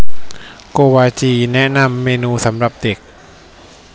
โกวาจีแนะนำเมนูสำหรับเด็ก